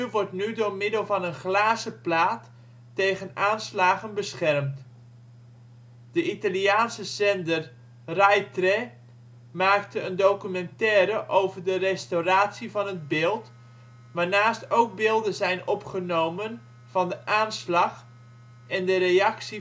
wordt nu door middel van een glazen plaat tegen aanslagen beschermd. De Italiaanse zender Rai Tre maakte een documentaire over de restauratie van het beeld, waarnaast ook beelden zijn opgenomen van de aanslag en de reactie